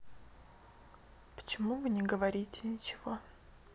почему вы не говорите ничего